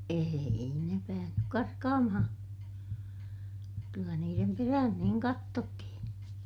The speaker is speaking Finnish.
ei ne päässyt karkaamaan kyllä niiden perään niin katsottiin